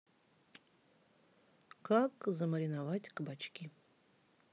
как замариновать кабачки